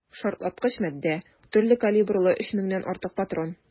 Шартлаткыч матдә, төрле калибрлы 3 меңнән артык патрон.